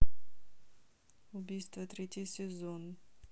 убийство третий сезон